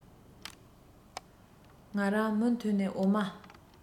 ང རང མུ མཐུད ནས འོ མ